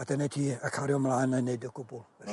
A dyna i ti a cario mla'n a neud y cwbl felly.